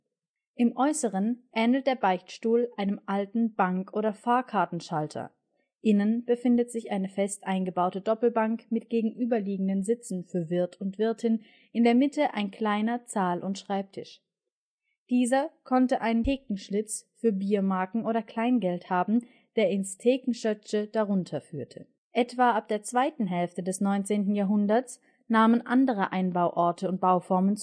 Im Äußeren ähnelt der Beichtstuhl einem alten Bank - oder Fahrkartenschalter – innen befindet sich eine fest eingebaute Doppelbank mit gegenüberliegenden Sitzen für Wirt und Wirtin, in der Mitte ein kleiner Zahl - und Schreibtisch. Dieser konnte einen „ Thekenschlitz “für Biermarken oder Kleingeld haben, der ins „ Thekenschöttche (n) “darunter führte. Etwa ab der zweiten Hälfte des 19. Jahrhunderts nahmen andere Einbauorte und Bauformen